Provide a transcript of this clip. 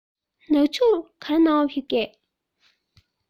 ནག ཆུར ག རེ གནང བར ཕེབས ཀ